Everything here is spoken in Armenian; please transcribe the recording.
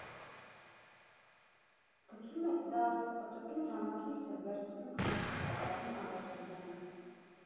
Գցում եք զառը, պտտում ժամացույցը, վերցնում քարտը, կատարում առաջադրանքը։